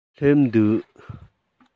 སླེབས འདུག